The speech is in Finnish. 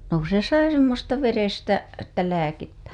no kun se sai semmoista verestä että lääkettä